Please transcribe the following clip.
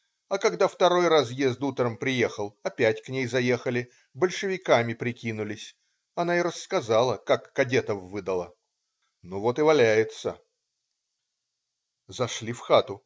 а когда второй разъезд утром приехал - опять к ней заехали, большевиками прикинулись, она и рассказала, как кадетов выдала. ну, вот и валяется. " Зашли в хату.